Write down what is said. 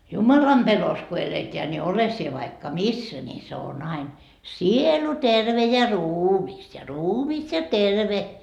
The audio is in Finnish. jumalanpelossa kun eletään niin ole sinä vaikka missä niin se on aina sielu terve ja ruumis ja ruumis ja terve